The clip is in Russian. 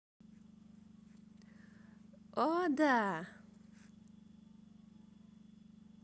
о да